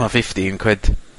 ma' fifteen quid.